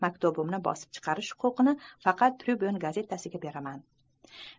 maktubimni bosib chiqarish huquqini faqat tribyun gazetasiga beraman